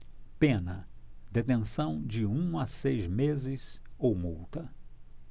pena detenção de um a seis meses ou multa